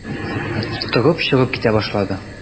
Торып чыгып китә башлады.